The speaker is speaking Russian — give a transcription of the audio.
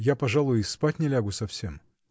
я, пожалуй, и спать не лягу совсем.